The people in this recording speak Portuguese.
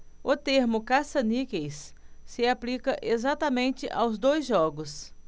o termo caça-níqueis se aplica exatamente aos dois jogos